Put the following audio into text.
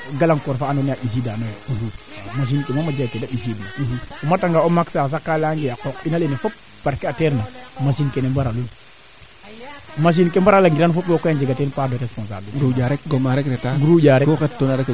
kaa a joor joor joor o fi kee warna teen roog fee dembanga te faax fato jambo xooxit yaam foko jambo xoox o leya ngaaye roog rek to jambiro a qooq yit o yipa nga ma engrais fee Senengal fop poo wala naak kee fopo wala naak ke Senegal fop poo wala naak ke senegal foppa ngaro ndosa nong to jambiro a qooq it faax kee